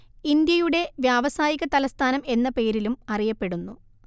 ഇന്ത്യയുടെ വ്യാവസായിക തലസ്ഥാനം എന്ന പേരിലും അറിയപ്പെടുന്നു